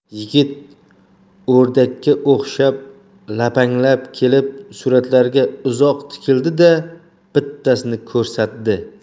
yigit o'rdakka o'xshab lapanglab kelib suratlarga uzoq tikildi da bittasini ko'rsatdi